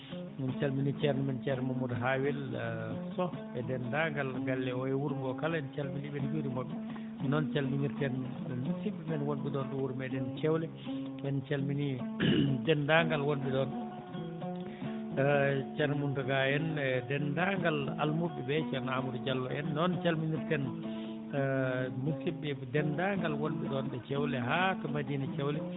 min calminii ceerno men ceerno Mamadou Hawel Sow e denndaangal galle oo e wuro ngoo kala en calminii ɓe en njuuriima ɓe noon calminirten musidɓe wonɓe ɗoon ɗo wuro meeɗen Ceewle en calminii denndaangal wonɓe ɗo ùe ceerno Mountaga en e denndaangal almuɓe ɓe ceerno Amadou Diallo en noon calminirten musidɓe denndaangal wonɓe ɗoon ɗo Ceewle haa to Madina Ceewle